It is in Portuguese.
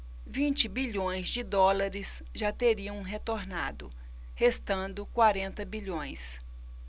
vinte bilhões de dólares já teriam retornado restando quarenta bilhões